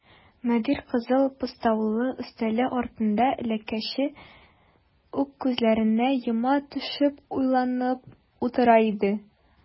Мөдир кызыл постаулы өстәле артында элеккечә үк күзләрен йома төшеп уйланып утыра иде.